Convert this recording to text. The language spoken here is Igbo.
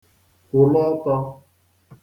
kwụ̀lụ ọtọ̄